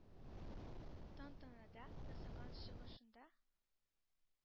Тантанада ясаган чыгышында